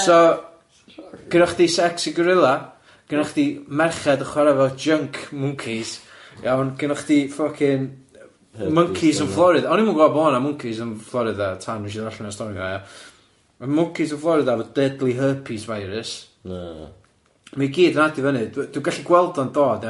So, gennoch chdi sexy gorilla, gennoch chdi merched yn chwarae efo junk mwncis, iawn, gennoch chdi ffycin monkeys yn Florida, o'n i'm yn gwbod bod o'na mwncis yn Florida tan nes i ddod allan o'r stori yma ia, ma' mwncis yn Florida efo deadly herpes virus... Na ...ma' i gyd yn adio fyny, dwi- dwi'n gallu gweld o'n dod ia.